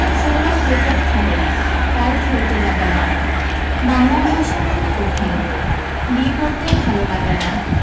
Sourav cricket খেলে কাল খেলতে যাবে না বাংলা ভাষা খুব কঠিন বি পড়তে ভালো লাগে না